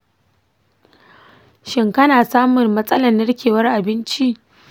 shin kana samun matsalar narkewar abinci?